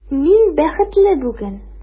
Мин бәхетле бүген!